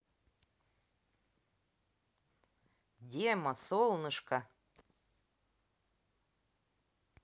демо солнышко